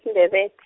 siNdebe- .